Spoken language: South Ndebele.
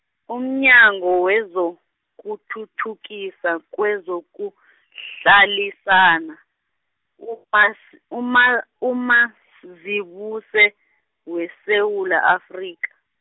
umnyango wezokuthuthukisa kwezokuhlalisana, umasi- uma- uMazibuse, weSewula Afrika.